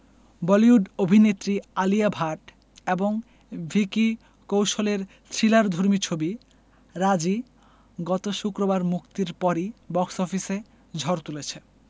বলিউড অভিনেত্রী আলিয়া ভাট এবং ভিকি কৌশলের থ্রিলারধর্মী ছবি রাজী গত শুক্রবার মুক্তির পরই বক্স অফিসে ঝড় তুলেছে